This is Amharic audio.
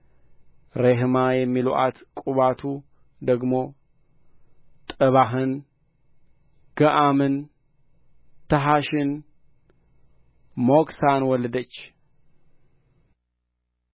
ሬሕማ የሚሉአት ቁባቱ ደግሞ ጥባህን ገአምን ተሐሸን ሞክሳን ወለደች